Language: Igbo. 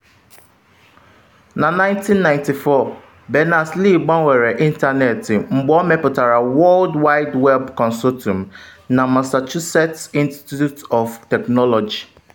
Na 1994, Berners-Lee gbanwere Ịntanetị mgbe ọ mepụtara World Wide Web Consortuim na Massachusetts Institue of Technology.